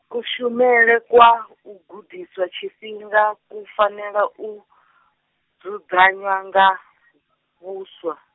kushumele kwa u gudisa tshifhinga ku fanela u, dzudzanywa nga, huswa.